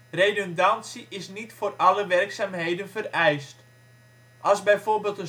Redundantie is niet voor alle werkzaamheden vereist. Als bijvoorbeeld